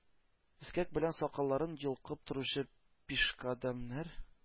Эскәк белән сакалларын йолкып торучы пишкадәмнәр,